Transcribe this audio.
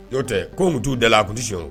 Oo tɛ ko mu t'u da la a tun tɛ si